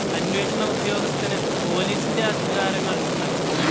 അന്വേഷണ ഉദ്യോഗസ്ഥന് പോലീസിന്റെ അധികാരങ്ങൾ നൽകും